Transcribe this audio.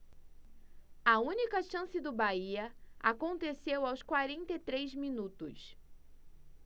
a única chance do bahia aconteceu aos quarenta e três minutos